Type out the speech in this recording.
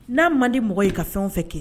N'a man di mɔgɔ ye ka fɛn o fɛn kɛ